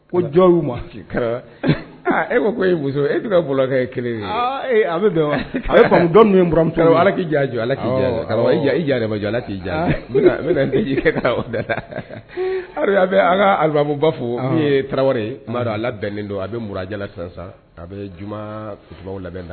Ko jɔn ma e ko e muso e bolokɛ kelen ye a a bɛ minura ala k' jan jɔ ala jan ala k' ja bɛ dɛ a bɛ an ka arabuba fo n ye tarawele ala bɛnnen don a bɛjala sisansa a bɛ juma labɛn